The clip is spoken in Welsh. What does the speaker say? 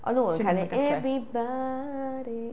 O' nhw oedd yn canu Everybody.